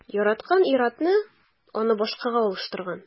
Яраткан ир-аты аны башкага алыштырган.